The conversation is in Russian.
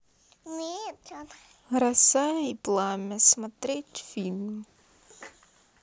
роса и пламя смотреть фильм